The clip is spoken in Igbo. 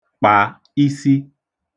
kpà isi